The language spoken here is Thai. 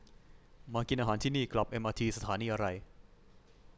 มากินอาหารที่นี่กลับเอมอาทีสถานีอะไร